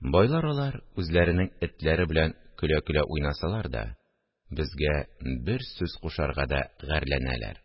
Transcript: Байлар алар, үзләренең этләре белән көлә-көлә уйнасалар да, безгә бер сүз кушарга да гарьләнәләр